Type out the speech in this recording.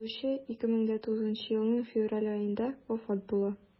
Язучы 2009 елның февраль аенда вафат була.